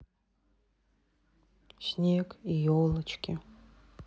снег и елочки